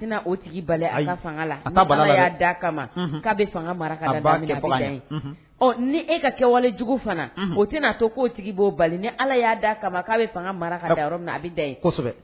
Tɛna o tigi bali a fanga la ka da'a bɛ fanga maraka ɔ ni e ka kɛ wale jugu fana o tɛna n'a to ko tigi bɔ bali ni ala y'a daa k' a bɛ fanga mara ka da yɔrɔ min na a bɛ da